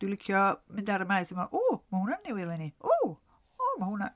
Dwi'n licio mynd ar y maes a meddwl "W! Ma' hwnna'n newydd eleni! W! O ma' hwnna..."